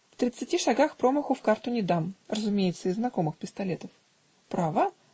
-- В тридцати шагах промаху в карту не дам, разумеется из знакомых пистолетов. -- Право?